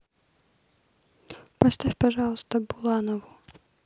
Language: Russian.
поставь пожалуйста буланову